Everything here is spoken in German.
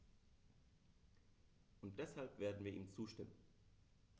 Und deshalb werden wir ihm zustimmen.